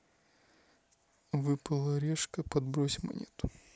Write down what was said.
выпала орешка подбрось монетку